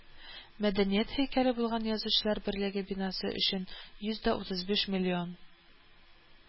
Мәдәният һәйкәле булган Язучылар берлеге бинасы өчен йөз дә утыз биш миллион